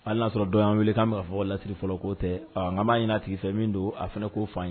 Hali y'a sɔrɔ dɔw y' wele k'a marifafɔ lateli fɔlɔ koo tɛ nka'a ɲini'a tigifɛ min don a fana' f' ye